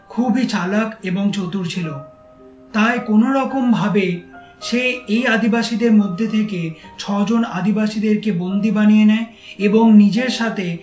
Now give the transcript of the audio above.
খুবই চালাক এবং চতুর ছিল তাই কোন রকম ভাবে সে এই আদিবাসীদের মধ্যে থেকে ছজন আদিবাসীদের কে বন্দি বানিয়ে নেয় এবং নিজের সাথে